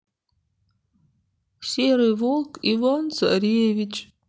серый волк иван царевич